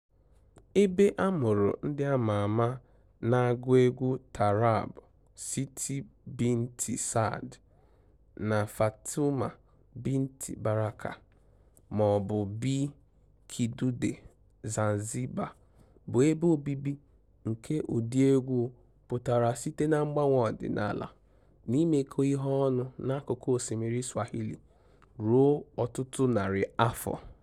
Ebe amụrụ ndị ama ama na-agụ egwu taarab Siti Binti Saad na Fatuma Binti Baraka, ma ọ bụ Bi. Kidude, Zanzibar bụ ebe obibi nke ụdị egwu pụtara site na mgbanwe omenaala na imekọ ihe ọnụ n'akụkụ osimmiri Swahili ruo ọtụtụ narị afọ.